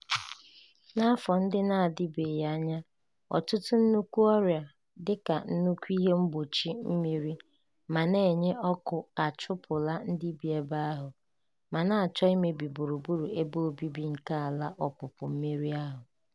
N'afọ ndị na-adịbeghị anya, ọtụtụ nnukwu ọrụ dịka nnukwu ihe mgbochi mmiri nke na-enye ọkụ achụpụla ndị bi ebe ahụ ma na-achọ imebi gburugburu ebe obibi nke ala ọpụpụ mmiri ahụ.